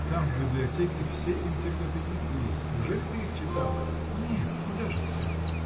Там в библиотеке все энциклопедисты есть. Ужели ты их читала? — Нет: куда же всех!